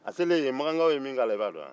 a selen yen makakaw ye min k'a la i b'a dɔn wa